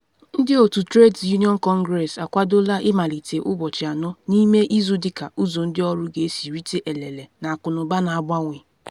Ndị otu Trades Union Congress akwadola ịmalite ụbọchị anọ n’ime izu dịka ụzọ ndị ọrụ ga-esi rite elele na akụnụba na-agbanwe.